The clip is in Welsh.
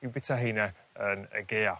i'w bita heine yn y Gaea.